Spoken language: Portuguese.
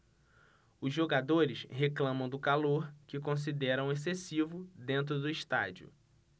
os jogadores reclamam do calor que consideram excessivo dentro do estádio